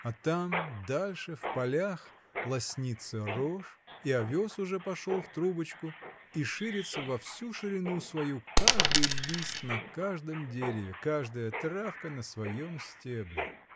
а там, дальше, в полях, лоснится рожь, и овес уже пошел в трубочку, и ширится во всю ширину свою каждый лист на каждом дереве, каждая травка на своем стебле.